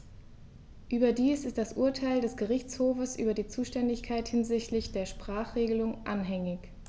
Überdies ist das Urteil des Gerichtshofes über die Zuständigkeit hinsichtlich der Sprachenregelung anhängig.